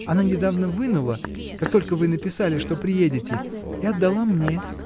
Она недавно вынула, как только вы написали, что приедете, и отдала мне.